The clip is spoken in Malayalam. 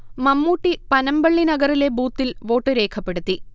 മമ്മൂട്ടി പനമ്പള്ളി നഗറിലെ ബൂത്തിൽ വോട്ട് രേഖപ്പെടുത്തി